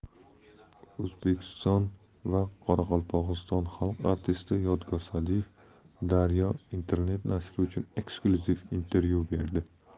o'zbekiston va qoraqalpog'iston xalq artisti yodgor sa'diyev daryo internet nashri uchun eksklyuziv intervyu berdi